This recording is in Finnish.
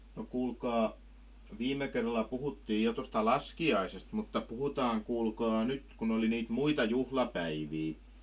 no kuulkaa viime kerralla puhuttiin jo tuosta laskiaisesta mutta puhutaan kuulkaa nyt kun oli niitä muita juhlapäiviä